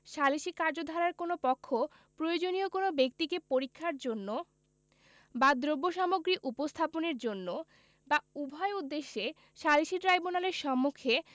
সালিসী কার্যধারার কোন পক্ষ প্রয়োজনীয় কোন ব্যক্তিকে পরীক্ষার জন্য বা দ্রব্যসামগ্রী উপস্থাপনের জন্য বা উভয় উদ্দেশ্যে সালিসী ট্রাইব্যুনালের সম্মুখে